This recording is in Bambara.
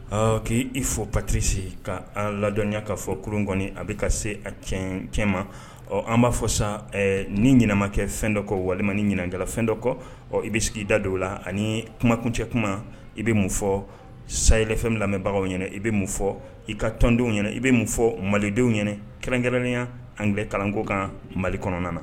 Ɔ k'i i fɔ patirisi ka an ladɔnya kaa fɔ kurunkɔni a bɛ ka se a cɛ ma ɔ an b'a fɔ sa ni ɲɛnama kɛ fɛn dɔ kɔ walima ɲininkakɛlafɛn dɔ kɔ ɔ bɛ sigi i da dɔw la ani kumakun cɛ kuma i bɛ mun fɔ sayɛlɛ fɛn lamɛnbagaw ɲɛna i bɛ mun fɔ i ka tɔndenw ɲɛna i bɛ mun fɔ malidenw ɲɛna kɛrɛnkɛrɛnya an bila kalanko kan mali kɔnɔna na